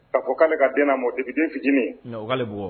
A ko k'ale ka den lamɔn depuis den fitini.